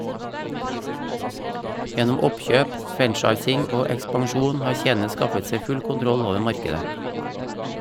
Gjennom oppkjøp, franchising og ekspansjon har kjedene skaffet seg full kontroll over markedet.